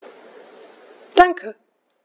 Danke.